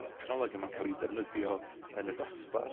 technoleg yma'n ca'l 'i ddefnyddio yn y dosbarth.